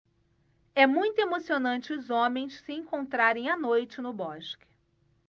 é muito emocionante os homens se encontrarem à noite no bosque